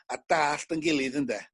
a dallt 'yn gilydd ynde?